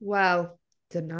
Wel, dyna...